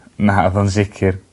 Naddo yn sicir.